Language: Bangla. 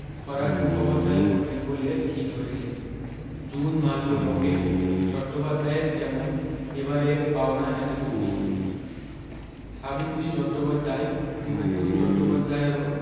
খরাজ মুখোপাধ্যায় করবেন বলে ঠিক হয়েছে জুন মাল্য লকেট চট্টোপাধ্যায়দের যেমন এবারের পাওনা এতটুকুই সাবিত্রী চট্টোপাধ্যায় শুভেন্দু চট্টোপাধ্যায়েরাও